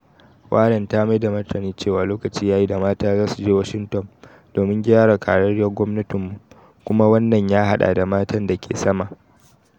Warren ta mai da martani cewa lokaci yayi “da mata za su je Washington domin gyara karrariya gwamnatinmu kuma wannan ya hada da matan dake sama,"